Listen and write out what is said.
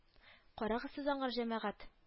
Карагыз сез аңар, җәмәгать